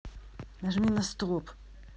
нажми на стоп